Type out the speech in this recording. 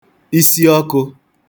isi ọkụ̄